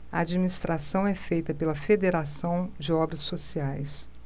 a administração é feita pela fos federação de obras sociais